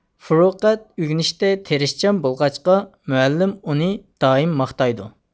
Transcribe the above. فۇرقەت ئۆگىنىشتە تىرىشچان بولغاچقا مۇئەللىم ئۇنى دائىم ماختايدۇ